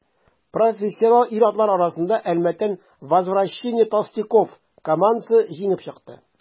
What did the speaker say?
Профессионал ир-атлар арасында Әлмәттән «Возвращение толстяков» командасы җиңеп чыкты.